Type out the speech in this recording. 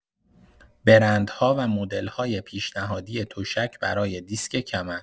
برندها و مدل‌های پیشنهادی تشک برای دیسک کمر